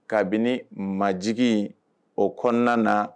Kabini maj o kɔnɔna na